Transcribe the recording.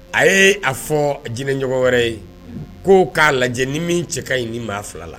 A ye a fɔ jinɛɲɔgɔn wɛrɛ ye ko' k'a lajɛ ni min cɛ ka ɲi nin maa fila la